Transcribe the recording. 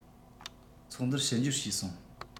ཚོགས འདུར ཕྱི འབྱོར བྱས སོང